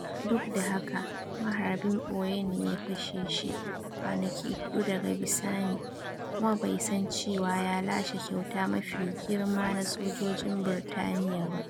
Duk da haka, maharbin boye ne ya kashe shi kwanaki hudu daga bisani, kuma bai san cewa ya lashe kyauta mafi girma na sojojin Birtaniya ba.